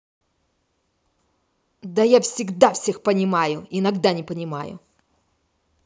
да я всегда всех понимаю иногда не понимаю